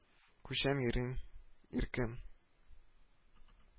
Күчәм, йөрим иркем